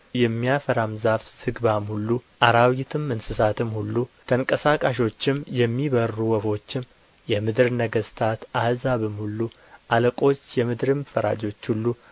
የሚያፈራም ዛፍ ዝግባም ሁሉ አራዊትም እንስሳትም ሁሉ ተንቀሳቃሾችም የሚበርሩ ወፎችም የምድር ነገሥታት አሕዛብም ሁሉ አለቆች የምድርም ፈራጆች ሁሉ